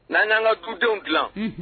N'an'an ka tudenw dilan